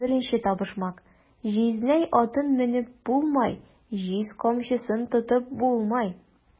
Беренче табышмак: "Җизнәй атын менеп булмай, җиз камчысын тотып булмай!"